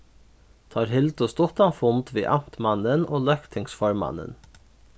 teir hildu stuttan fund við amtmannin og løgtingsformannin